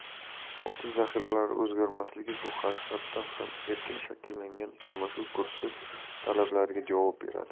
oltin zaxiralari o'zgarmasligi bu haqiqatdan ham erkin shakllangan almashuv kursi talablariga javob beradi